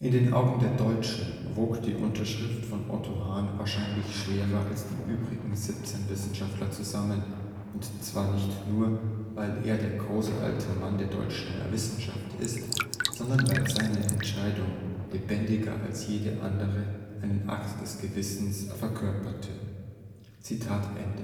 den Augen der Deutschen wog die Unterschrift von Otto Hahn wahrscheinlich schwerer als die der übrigen 17 Wissenschaftler zusammen, und zwar nicht nur, weil er der große alte Mann der deutschen Wissenschaft ist, sondern weil seine Entscheidung lebendiger als jede andere einen Akt des Gewissens verkörperte. “Am